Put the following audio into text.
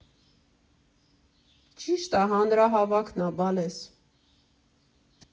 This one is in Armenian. ֊ Ճիշտը հանրահավաքն ա, բալես։